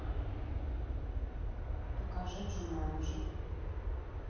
покажи джуманджи